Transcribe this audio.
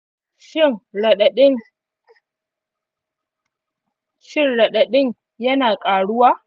shin raɗaɗin ya na ƙaruwa